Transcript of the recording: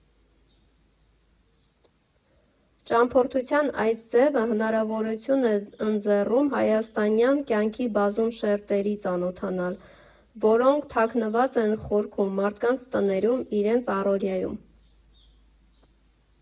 Ճամփորդության այս ձևը հնարավորություն է ընձեռում հայաստանյան կյանքի բազում շերտերի ծանոթանալ, որոնք թաքնված են խորքում, մարդկանց տներում, իրենց առօրյայում։